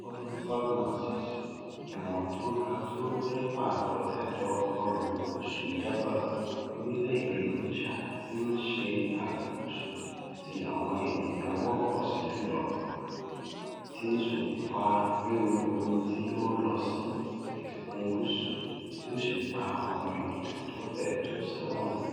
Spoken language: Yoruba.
Ọdún 2006: Ìwọ̀n tó ga tó 6.8 kọlu gúsù Java, Orílẹ̀-èdè Indonesia tí ń ṣe erékùṣú tí àwọn ènìyàn wọ́pọ̀ sí jùlọ, ti ṣokùnfà rírú omi tí ó lọ sí etíkun gúsù, tí ó sì pa àwọn ènìyàn tó fẹ́ẹ tó 700.